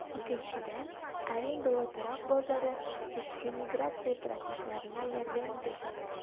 Икенчедән, арендалы торак базары эчке миграция процессларына ярдәм итәчәк.